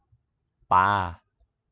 ปา